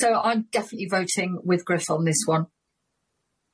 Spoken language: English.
So I'm definitely voting with Griff on this one.